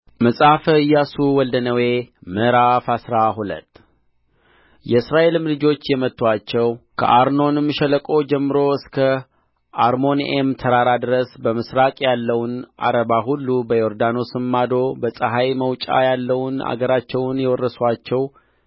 መጽሐፈ ኢያሱ ወልደ ነዌ ምዕራፍ አስራ ሁለት የእስራኤልም ልጆች የመቱአቸው ከአርኖንም ሸለቆ ጀምሮ እስከ አርሞንዔም ተራራ ድረስ በምሥራቅ ያለውን ዓረባ ሁሉ በዮርዳኖስም ማዶ በፀሐይ መውጫ ያለውን አገራቸውን የወረሱአቸው